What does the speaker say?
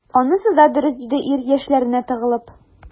Анысы да дөрес,— диде ир, яшьләренә тыгылып.